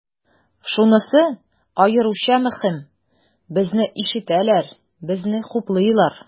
Шунысы аеруча мөһим, безне ишетәләр, безне хуплыйлар.